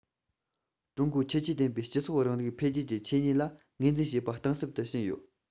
ཀྲུང གོའི ཁྱད ཆོས ལྡན པའི སྤྱི ཚོགས རིང ལུགས འཕེལ རྒྱས ཀྱི ཆོས ཉིད ལ ངོས འཛིན བྱས པ གཏིང ཟབ ཏུ ཕྱིན ཡོད